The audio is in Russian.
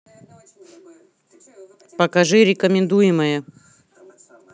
покажи рекомендуемое